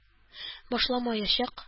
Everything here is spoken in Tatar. Башламаячак